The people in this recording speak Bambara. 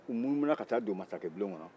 u munumununa ka taa don masakɛbulon kɔnɔ